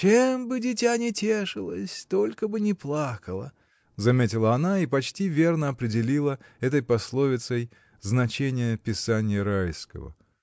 — Чем бы дитя ни тешилось, только бы не плакало, — заметила она и почти верно определила этой пословицей значение писанья Райского.